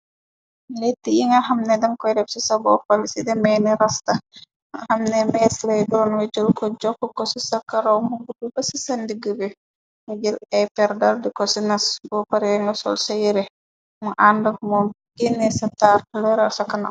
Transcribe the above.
Let yi nga xamne damkoy reb si sa boppal, ci demee ni rasta, xamne meesley doon nga jor ko jokk ko ci sa karaw mu gudtu ba ci sandi gu bi, ni jël ay per dar di ko ci nas boppare nga sol sa yere mu àndak moo, genne ca taar leera ca kanaw.